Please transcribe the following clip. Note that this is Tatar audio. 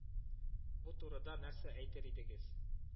Бу турыда нәрсә әйтер идегез